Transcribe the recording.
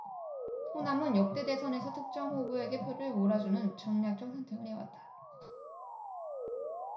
호남은 역대 대선에서 특정 후보에게 표를 몰아주는 전략적 선택을 해왔다